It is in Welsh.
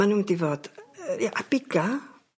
ma' n'w mynd 'di fod yy ia ar biga'.